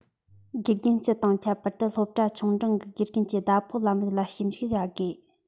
དགེ རྒན སྤྱི དང ཁྱད པར དུ སློབ གྲྭ འབྲིང ཆུང གི དགེ རྒན གྱི ཟླ ཕོགས ལམ ལུགས ལ ཞིབ འཇུག བྱ དགོས